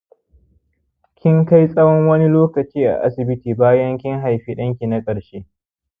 kinkai tsawon wani lokaci a asbiti bayan kin haifi danki na karshe